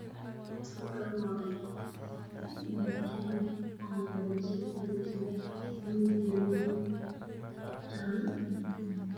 Waa makiinad midabkeedii ay jaallo waxa ay sheegeysaa ciid